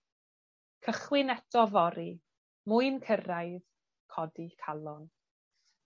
Cychwyn eto fory, mwy'n cyrraedd, codi calon.